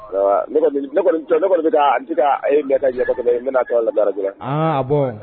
Ne ne kɔni bɛ taadi a ye ɲɛ ka yafa yen n bɛna taa ladajɛ